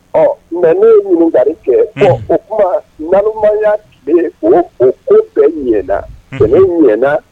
Ɔ nka ne ye ɲininkaka kɛ o tuma malomaya tile bɛ o ko bɛɛ ɲɛana kɛmɛ ɲɛana